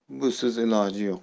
busiz iloj yo'q